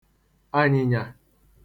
ànyị̀nyà